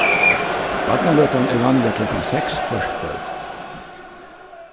barnaløtan er vanliga klokkan seks hvørt kvøld